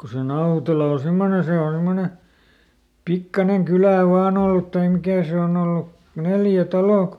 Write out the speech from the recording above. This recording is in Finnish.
kun se Nautela on semmoinen se on semmoinen pikkuinen kylä vain ollut tai mikä se on ollut neljä taloa kun